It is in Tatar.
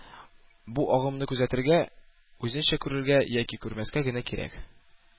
Бу агымны күзәтергә, үзеңчә күрергә, яки күрмәскә генә кирәк